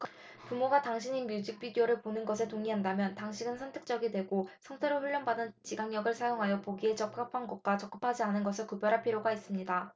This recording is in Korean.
부모가 당신이 뮤직 비디오를 보는 것에 동의한다면 당신은 선택적이 되고 성서로 훈련받은 지각력을 사용하여 보기에 적합한 것과 적합하지 않은 것을 구별할 필요가 있습니다